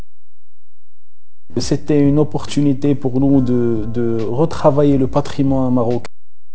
بستان ورود